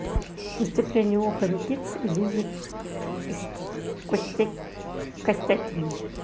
выступление опен кидс и лизы костякиной